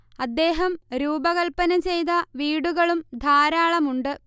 അദ്ദേഹം രൂപകല്പന ചെയ്ത വീടുകളും ധാരാളമുണ്ട്